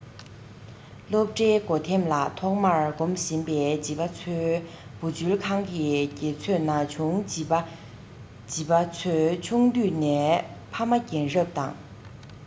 སློབ གྲྭའི སྒོ ཐེམ ལ ཐོག མར འགོམ བཞིན པའི བྱིས པ ཚོའི བུ བཅོལ ཁང གི དགེ ཚོས ན ཆུང བྱིས པ བྱིས པ ཚོས ཆུང དུས ནས ཕ མ རྒན རབས དང